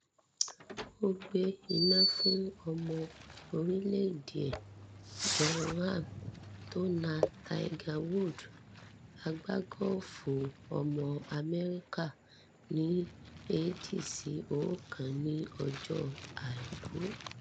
Ó gbé iná fún ọmọ orílẹ̀-èdè ẹ John Ram tó na Tiger Woods, agbágọ́ọ̀fù ọmọ Amẹ́ríkà, ní 2 sí 1 ní ọjọ́ Àìkú.